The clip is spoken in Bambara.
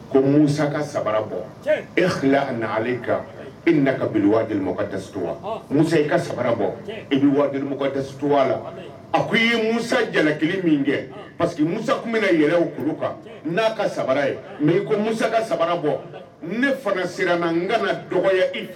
E ka kara bɔ etu a la a ko i ye musa jalaki min kɛ pa que musa tun bɛ yɛrɛw kuru kan n'a ka samara ye mɛ i ko musa kara bɔ ne fana sera n ka dɔgɔ